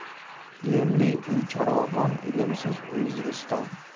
ilmli uy charog'on ilmsiz uy zimiston